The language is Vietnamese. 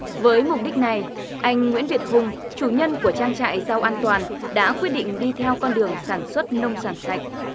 với mục đích này anh nguyễn việt hùng chủ nhân của trang trại rau an toàn đã quyết định đi theo con đường sản xuất nông sản sạch